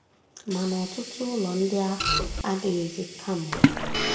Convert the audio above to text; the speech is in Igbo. Mana ọtụtụ ụlọ ndị ahụ adịghịzị kemgbe.